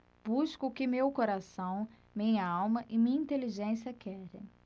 busco o que meu coração minha alma e minha inteligência querem